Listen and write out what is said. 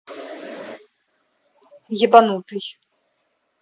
ебанутый